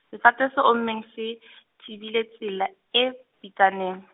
sefate se ommeng se , thibile tsela, e pitaneng-.